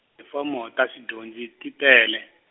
tifomo ta swidyondzi ti tele.